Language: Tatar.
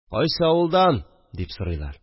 – кайсы авылдан? – дип сорыйлар